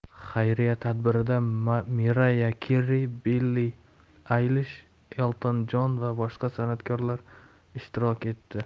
xayriya tadbirida merayya keri billi aylish elton jon va boshqa san'atkorlar ishtirok etdi